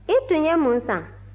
i tun ye mun san